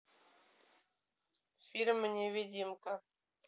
фильм невидимка